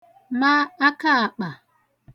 ma akaàkpà